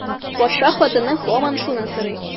Патша хатыны һаман шуны сорый.